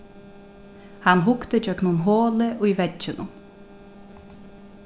hann hugdi gjøgnum holið í vegginum